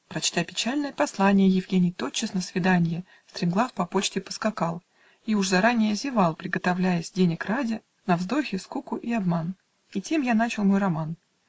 Прочтя печальное посланье, Евгений тотчас на свиданье Стремглав по почте поскакал И уж заранее зевал, Приготовляясь, денег ради, На вздохи, скуку и обман (И тем я начал мой роман)